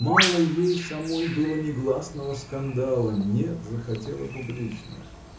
Мало ей самой было негласного скандала — нет, захотела публичного!.